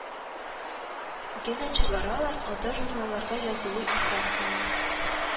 Генә чыгаралар, анда журналларга язылу ифрат кыен